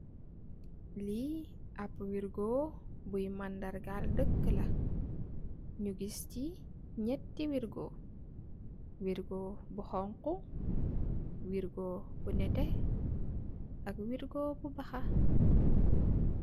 Li ap wirgo buy mandara gal dék la , ñu gis ci ñetti wirgo, wirgo bu xonxu, wirgo bu neteh ak wirgo bu baxa.